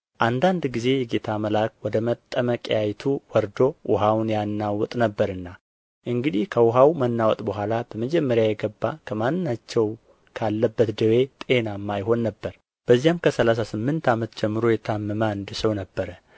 አንዳንድ ጊዜ የጌታ መልአክ ወደ መጠመቂያይቱ ወርዶ ውኃውን ያናውጥ ነበርና እንግዲህ ከውኃው መናወጥ በኋላ በመጀመሪያ የገባ ከማናቸው ካለበት ደዌ ጤናማ ይሆን ነበር በዚያም ከሠላሳ ስምንት ዓመት ጀምሮ የታመመ አንድ ሰው ነበረ